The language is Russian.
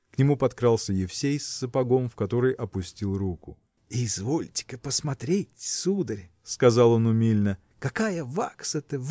К нему подкрался Евсей с сапогом, в который опустил руку. – Извольте-ка посмотреть сударь – сказал он умильно – какая вакса-то